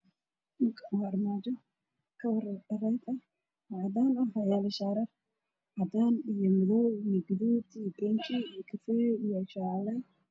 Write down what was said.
Waa carwo waxaa yaalla shaati yaal